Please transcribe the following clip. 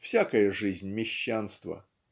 всякая жизнь - мещанство.